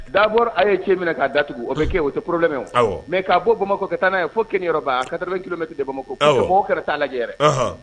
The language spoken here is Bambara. Dabɔ a ye cɛ minɛ k'a datugu bɛ o tɛorolenmɛ o mɛ'a bɔ bamakɔ ka taa'a ye fo kelenba ka kelenlomɛ tɛ bamakɔ kɛra t'a lajɛɛrɛ